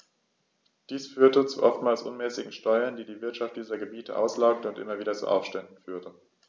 Dies führte zu oftmals unmäßigen Steuern, die die Wirtschaft dieser Gebiete auslaugte und immer wieder zu Aufständen führte.